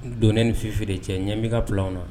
Don ne ni fifi de cɛ ɲɛ min ka bila na